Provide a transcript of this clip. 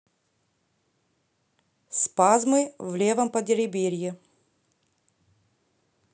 спазмы в левом подреберье